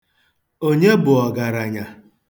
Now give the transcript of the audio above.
Onye bụ ọgaranya?